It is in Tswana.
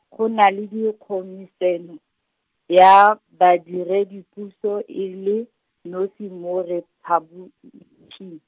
go na le di Khomisene ya Badiredipuso e le nosi mo Repaboliki.